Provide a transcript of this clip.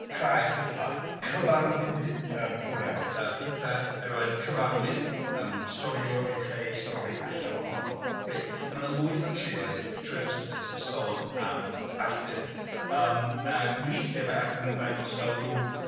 Crau chwedla, cyfarwyddid yym hwrach yy petha yr roedd cyfarwydd yym storiwr yn creu stori allan ohono fo 'de reit? Ia. Ma' 'na lwyth o trioedd trioedd Ynys Brydain sy'n sôn am Arthur yym ac weithiau mae Arthur yn ymddangos fel bo' rw